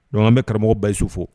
Ɲɔn bɛ karamɔgɔ basisu fo